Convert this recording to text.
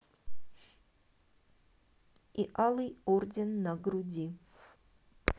и алый орден на груди